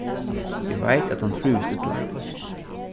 eg veit at hann trívist illa